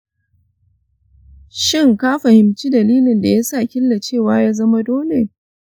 shin ka fahimci dalilin da yasa killacewa ya zama dole?